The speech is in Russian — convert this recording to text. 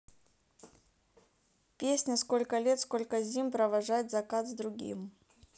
песня сколько лет сколько зим провожать закат с другим